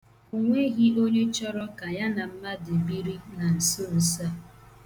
O nweghị onye chọrọ ka ya na mmadụ biri na nsonso a.